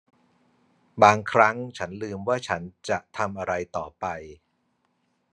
บางครั้งฉันลืมว่าฉันจะทำอะไรต่อไป